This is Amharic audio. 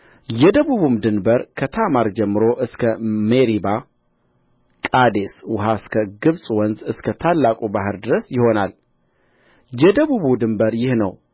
የደቡቡም ድንበር ከታማር ጀምሮ እስከ ሜርባ ቃዴስ ውኃ እስከ ግብጽ ወንዝ እስከ ታላቁ ባሕር ድረስ ይሆናል የደቡቡ ድንበር ይህ ነው